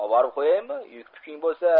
oborib qo'yaymi yuk puking bo'lsa